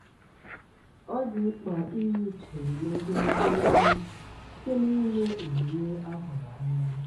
Ọ dị mkpa inye uche n'ogologo okwu site n'ime ihe omume a hụrụ anya.